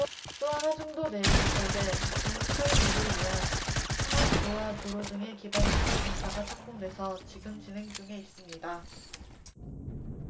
또한 하중도 내에 건설될 각종 시설물을 위한 상하수도와 도로 등의 기반시설 공사가 착공돼서 지금 진행 중에 있습니다